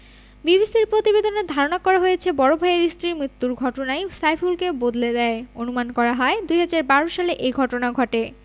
বিবিসির প্রতিবেদনে ধারণা করা হয়েছে বড় ভাইয়ের স্ত্রীর মৃত্যুর ঘটনাই সাইফুলকে বদলে দেয় অনুমান করা হয় ২০১২ সালে এ ঘটনা ঘটে